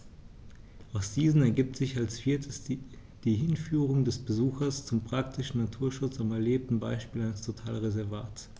Aus diesen ergibt sich als viertes die Hinführung des Besuchers zum praktischen Naturschutz am erlebten Beispiel eines Totalreservats.